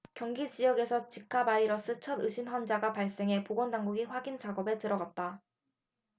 경기지역에서 지카바이러스 첫 의심환자가 발생해 보건당국이 확인 작업에 들어갔다